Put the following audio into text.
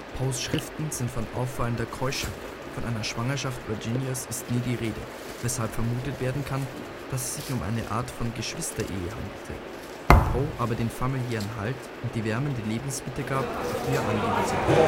Poes Schriften sind von auffallender Keuschheit, von einer Schwangerschaft Virginias ist nie die Rede, weshalb vermutet werden kann, dass es sich um eine Art von Geschwisterehe handelte, die Poe aber den familiären Halt und die wärmende Lebensmitte gab, auf die er angewiesen war